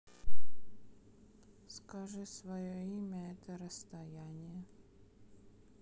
скажи свое имя это расстояние